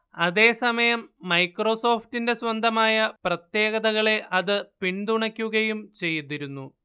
അതേസമയം മൈക്രോസോഫ്റ്റിന്റെ സ്വന്തമായ പ്രത്യേകതകളെ അത് പിന്തുണക്കുകയും ചെയ്തിരുന്നു